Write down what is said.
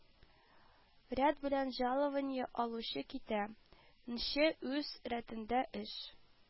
Ряд белән жалованье алучы китә, нче үз рәтендә «эш»